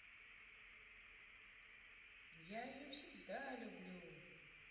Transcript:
я ее всегда люблю